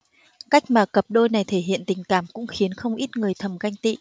cách mà cặp đôi này thể hiện tình cảm cũng khiến không ít người thầm ganh tỵ